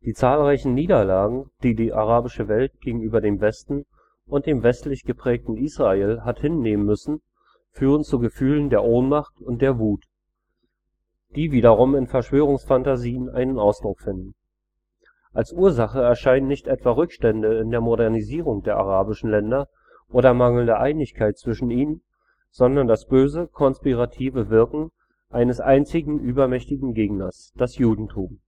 zahlreichen Niederlagen, die die arabische Welt gegenüber dem Westen und dem westlich geprägten Israel hat hinnehmen müssen, führen zu Gefühlen der Ohnmacht und der Wut, die wiederum in Verschwörungsphantasien einen Ausdruck finden: Als Ursache erscheinen nicht etwa Rückstände in der Modernisierung der arabischen Länder oder mangelnde Einigkeit zwischen ihnen, sondern das böse, konspirative Wirken eines einzigen übermächtigen Gegners: das Judentum